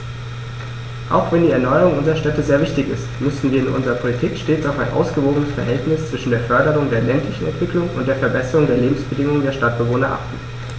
Auch wenn die Erneuerung unserer Städte sehr wichtig ist, müssen wir in unserer Politik stets auf ein ausgewogenes Verhältnis zwischen der Förderung der ländlichen Entwicklung und der Verbesserung der Lebensbedingungen der Stadtbewohner achten.